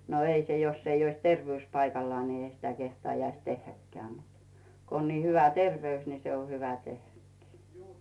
no ei se jos ei olisi terveys paikallaan niin ei sitä kehtaisi tehdäkään mutta kun on niin hyvä terveys niin se on hyvä tehdäkin